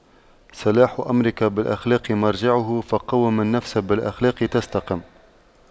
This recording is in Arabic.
صلاح أمرك بالأخلاق مرجعه فَقَوِّم النفس بالأخلاق تستقم